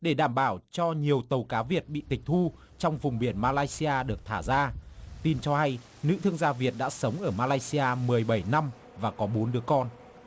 để đảm bảo cho nhiều tầu cá việt bị tịch thu trong vùng biển ma lai xi a được thả ra tin cho hay nữ thương gia việt đã sống ở ma lai xi a mười bẩy năm và có bốn đứa con